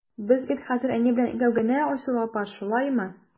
Без бит хәзер әни белән икәү генә, Айсылу апа, шулаймы?